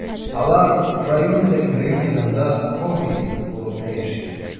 Алар район үзәгендәге мәйданда обелиск булып та яши.